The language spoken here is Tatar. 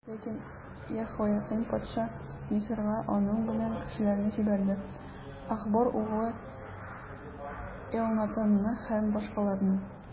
Ләкин Яһоякыйм патша Мисырга аның белән кешеләрне җибәрде: Ахбор углы Элнатанны һәм башкаларны.